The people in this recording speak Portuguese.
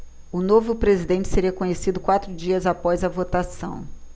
o novo presidente seria conhecido quatro dias após a votação